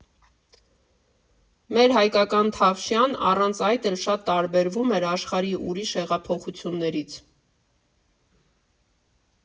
Մեր հայկական թավշյան առանց այդ էլ շատ տարբերվում էր աշխարհի ուրիշ հեղափոխություններից։